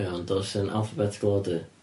Iawn dos yn alphabetical order.